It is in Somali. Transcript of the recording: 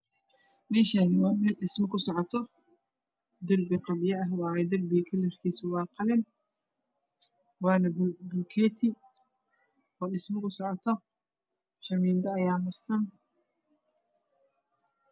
Meeshan waa meel dhismo kusocoto darbi qabya ah waaye darbiga kalarkiisu waa qalin waana bulketi dhismo kuso coto shamiinto ayaa marsan